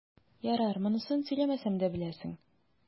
Ярар, монысын сөйләмәсәм дә беләсең.